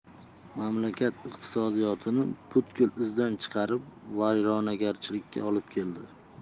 mamlakat iqtisodiyotini butkul izdan chiqarib vayronagarchilikka olib keldi